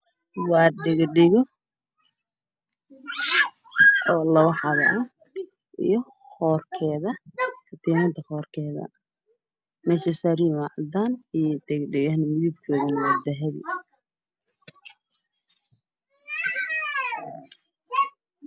Waa dhega-dhago saddexdaba ah midabkoodu waa dahabi meesha ay sahran yihiin waa caddaan